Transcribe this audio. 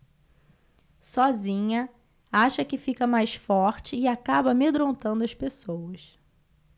sozinha acha que fica mais forte e acaba amedrontando as pessoas